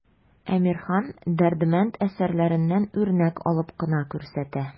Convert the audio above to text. Әмирхан, Дәрдемәнд әсәрләреннән үрнәк алып кына күрсәтә.